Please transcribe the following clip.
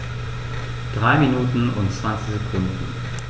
3 Minuten und 20 Sekunden